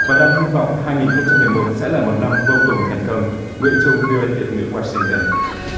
và đang hy vọng hai nghìn không trăm mười một sẽ là một năm vô cùng thành công nguyễn trung vi ô ây việt ngữ goa sinh từn